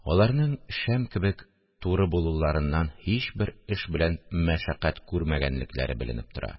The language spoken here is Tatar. Аларның шәм кебек туры булуларыннан һичбер эш белән мәшәкать күрмәгәнлекләре беленеп тора